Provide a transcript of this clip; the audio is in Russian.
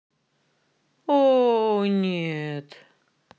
ооо нет